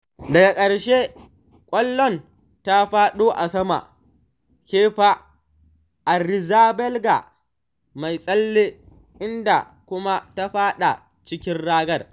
Daga ƙarshe ƙwallon ta faɗo a saman Kepa Arrizabalaga mai tsalle inda kuma ta faɗa cikin ragar.